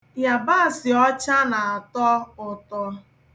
Yabaasị ọcha na-atọ ụtọ.